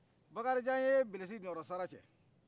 bakarijan ye bilisi ninyɔrɔsaara cɛ